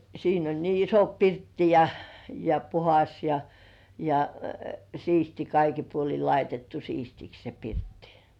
siinä oli niin iso pirtti ja ja puhdas ja ja siisti kaikin puolin laitettu siistiksi se pirtti